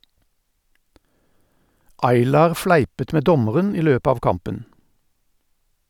Aylar fleipet med dommeren i løpet av kampen.